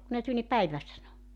kun ne tuli niin päivä sanoi